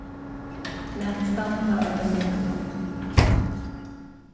lat standa eina løtu